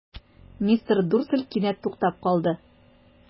Мистер Дурсль кинәт туктап калды.